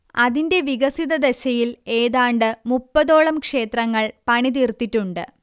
അതിന്റെ വികസിതദശയിൽ ഏതാണ്ട് മുപ്പതോളം ക്ഷേത്രങ്ങൾ പണിതീർത്തിട്ടുണ്ട്